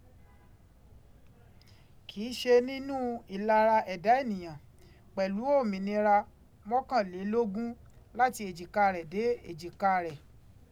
Kì í ṣe nínú ìlara ẹ̀dá ènìyàn, pẹ̀lú òmìnira mọ́kànlélógún, láti èjìká rẹ̀ dé èjìká rẹ̀.